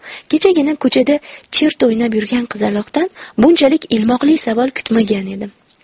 kechagina ko'chada cherta o'ynab yurgan qizaloqdan bunchalik ilmoqli savol kutmagan edim